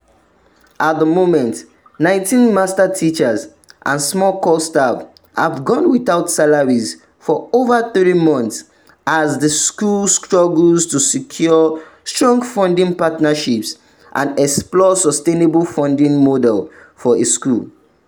At the moment, 19 master teachers and small core staff have gone without salaries for over three months as the school struggles to secure strong funding partnerships and explore sustainable funding models for a school.